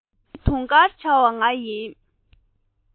ཞི མི དུང དཀར བྱ བ ང ཡིན